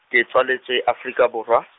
ke tswaletswe Afrika Borwa.